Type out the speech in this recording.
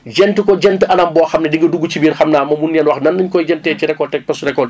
jent ko jent anam boo xam ne di nga dugg ci biir xam naa ma mun leen wax nan la ñu koy jentee ci récolte ak post récolte